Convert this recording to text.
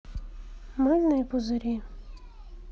мыльные пузыри